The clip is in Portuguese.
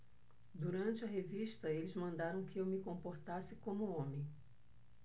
durante a revista eles mandaram que eu me comportasse como homem